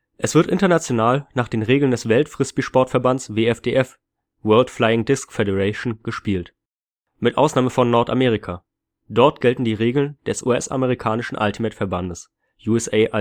Es wird international nach den Regeln des Welt-Frisbeesport Verband WFDF (World Flying Disc Federation) gespielt, mit Ausnahme von Nordamerika, dort gelten die Regeln des US-amerikanischen Ultimate Verbandes (USA Ultimate